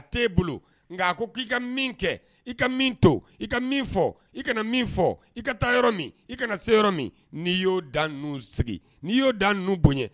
T'e bolo nka a ko k'i ka min kɛ i ka min to i ka min fɔ i kana min fɔ i ka taa yɔrɔ min i kana se yɔrɔ min n'i y'o dan ninnu sigi n'i y'o dan ninnu bonya